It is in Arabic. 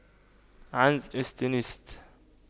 عنز استتيست